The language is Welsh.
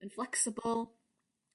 yn flexible